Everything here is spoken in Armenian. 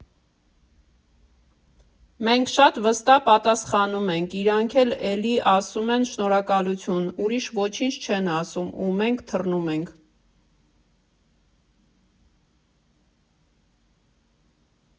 Մենք շատ վստահ պատասխանում ենք, իրանք էլ էլի ասում են շնորհակալություն, ուրիշ ոչինչ չեն ասում ու մենք թռնում ենք։